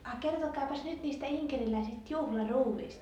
a kertokaapas nyt niistä inkeriläisistä juhlaruoista